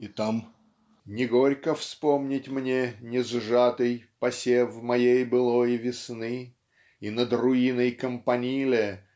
и там -- Не горько вспомнить мне несжатый Посев моей былой весны И над руиной Кампаниле